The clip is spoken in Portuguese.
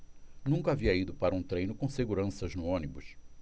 nunca havia ido para um treino com seguranças no ônibus